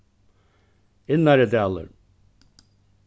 innaridalur